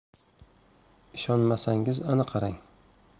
ishonmasangiz ana qarang